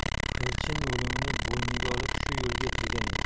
elchin o'limni bo'yniga olib shu yo'lga kirgan edi